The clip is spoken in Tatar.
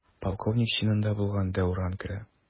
Полковник чинында булган Дәүран керә.